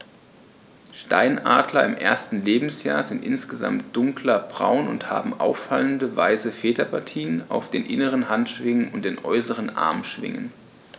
Steinadler im ersten Lebensjahr sind insgesamt dunkler braun und haben auffallende, weiße Federpartien auf den inneren Handschwingen und den äußeren Armschwingen.